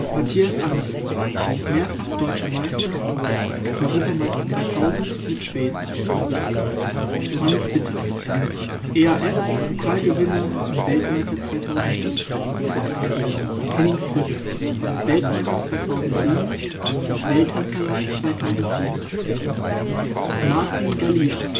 Mattias Andersson (mehrfacher deutscher Meister, Europameister 2000 mit Schweden) Johannes Bitter (EHF-Pokal Gewinner und Weltmeister 2007) Henning Fritz (Weltmeister 2007, Welthandballer 2004) Martin Galia